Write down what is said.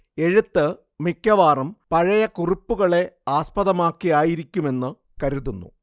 എഴുത്ത് മിക്കവാറും പഴയ കുറിപ്പുകളെ ആസ്പദമാക്കിയായിരിക്കുമെന്ന് കരുതുന്നു